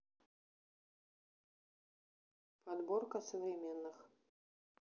подборка современных